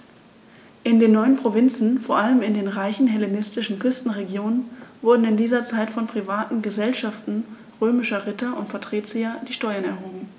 In den neuen Provinzen, vor allem in den reichen hellenistischen Küstenregionen, wurden in dieser Zeit von privaten „Gesellschaften“ römischer Ritter und Patrizier die Steuern erhoben.